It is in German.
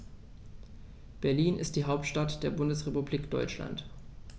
Berlin ist die Hauptstadt der Bundesrepublik Deutschland.